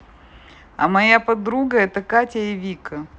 а моя подруга это катя и вика